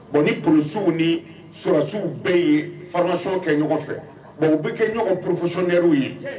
Bon ni kɔlɔsisiww ni sulasiww bɛɛ ye farasi kɛ ɲɔgɔn fɛ u bɛ kɛ ɲɔgɔn porofconkɛr ye